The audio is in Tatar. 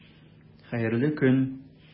Хәерле көн!